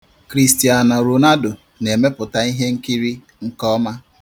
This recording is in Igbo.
Cristiano Ronaldo na-emepụta ihenkiri nke ọma.